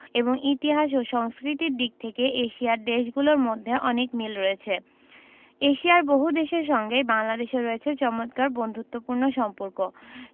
এবং ইতিহাস ও সংস্কৃতির দিক থেকে এশিয়ার দেশগুলোর মধ্যে অনেক মিল রয়েছেএশিয়ার বহুদেশের সঙ্গেই বাংলাদেশের রয়েছে চমৎকার বন্ধুত্বপূর্ণ সম্পর্ক